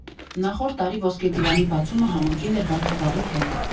Նախորդ տարի Ոսկե Ծիրանի բացումը համընկել էր Վարդավառի հետ։